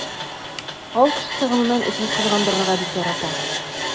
Авыл кешесе гомумән үзен кызгандырырга бик ярата.